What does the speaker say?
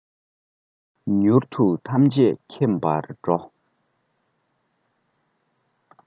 མྱུར དུ ཐམས ཅད མཁྱེན པར འགྲོ